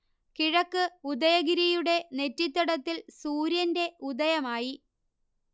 കിഴക്ക് ഉദയഗിരിയുടെ നെറ്റിത്തടത്തിൽ സൂര്യന്റെ ഉദയമായി